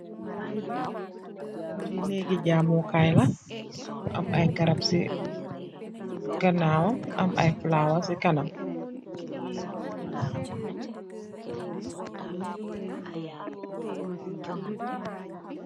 Fi nehgi jàmóó Kai la, bu am ay garap ci ganaw wam am ay fulawa ci kanam.